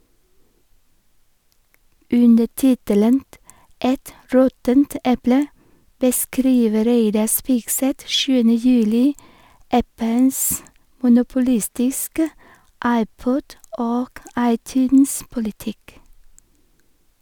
Under tittelen «Et råttent eple» beskriver Reidar Spigseth 7. juli Apples monopolistiske iPod- og iTunes-politikk.